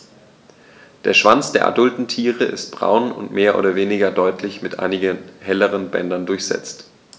Der Schwanz der adulten Tiere ist braun und mehr oder weniger deutlich mit einigen helleren Bändern durchsetzt.